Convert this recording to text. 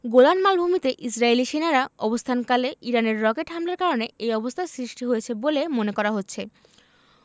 Golan মালভূমিতে Israeli সেনারা অবস্থানকালে ইরানের রকেট হামলার কারণে এ অবস্থার সৃষ্টি হয়েছে বলে মনে করা হচ্ছে